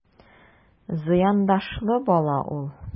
Зыяндашлы бала ул...